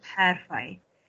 Perffaith.